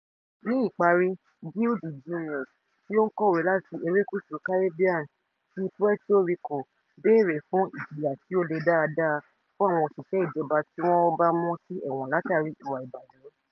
Ní ìparí, "Gill the Jenius", tí ó ń kọ̀wé láti erékùṣù Caribbean ti Puerto Rico bèèrè fún ìjìyà tí ó lè dáadáa fún àwọn òṣìṣẹ́ ìjọba tí wọ́n bá mú sí ẹ̀wọ̀n látààrí ìwà ìbàjẹ́.